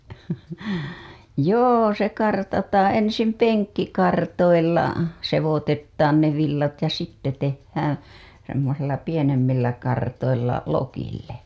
joo se kartataan ensin penkkikartoilla sekoitetaan ne villat ja sitten tehdään semmoisilla pienemmillä kartoilla lokille